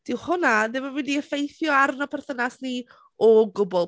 Dyw hwnna ddim yn mynd i effeithio arno perthynas ni o gwbl.